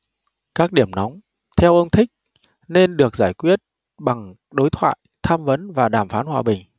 các điểm nóng theo ông thích nên được giải quyết bằng đối thoại tham vấn và đàm phán hòa bình